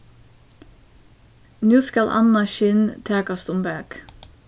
nú skal annað skinn takast um bak